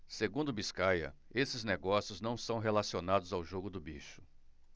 segundo biscaia esses negócios não são relacionados ao jogo do bicho